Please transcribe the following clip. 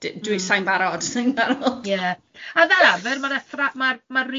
D- Sa' i'n barod, sa' i'n barod! Ie. A fel arfer ma'r athrawon,